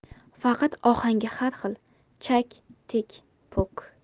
faqat ohangi har xil chak tikpuk